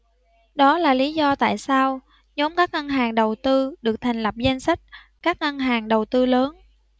đó là lý do tại sao nhóm các ngân hàng đầu tư được thành lập danh sách các ngân hàng đầu tư lớn